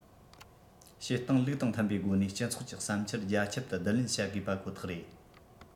བྱེད སྟངས ལུགས དང མཐུན པའི སྒོ ནས སྤྱི ཚོགས ཀྱི བསམ འཆར རྒྱ ཁྱབ ཏུ བསྡུ ལེན བྱ དགོས པ ཁོ ཐག རེད